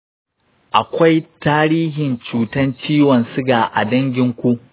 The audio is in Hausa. akwai tarihin cutan ciwon siga a danginku?